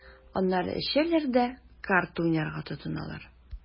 Аннары эчәләр дә карта уйнарга тотыналар.